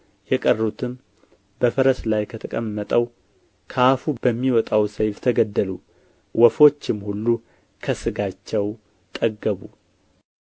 የቀሩትም በፈረስ ላይ ከተቀመጠው ከአፉ በሚወጣው ሰይፍ ተገደሉ ወፎችም ሁሉ ከሥጋቸው ጠገቡ